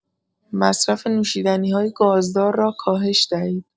مصرف نوشیدنی‌های گازدار را کاهش دهید.